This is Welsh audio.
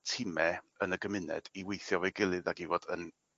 time yn y gymuned i weithio efo'i gilydd ag i fod yn